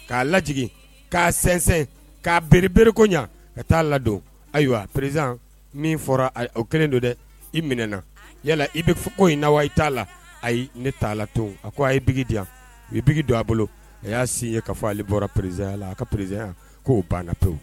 K'a laj k'a sinsɛn k'a bere bereereko ka t'a ladon ayiwa perez min fɔra kelen don dɛ i minɛɛna yala i bɛ ko in na wa i t'a la ayi ne t'a la to a ko a ye bi diya i bɛ bi don a bolo a y'a sin ye ka fɔ ale bɔra perezyala a ka perezya k'o ban ka to